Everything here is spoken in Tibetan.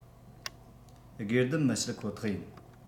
སྒེར སྡེམ མི བྱེད ཁོ ཐག ཡིན